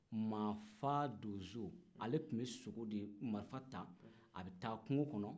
maa fa donso ale tun bɛ sogo de marifa ta a bɛ taa kungo kɔnɔ